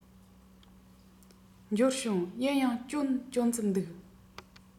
འབྱོར བྱུང ཡིན ཡང སྐྱོན ཅུང ཙམ འདུག